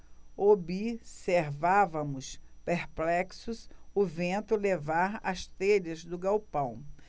observávamos perplexos o vento levar as telhas do galpão